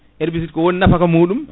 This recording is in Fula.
herbicide ko woni nafaka muɗum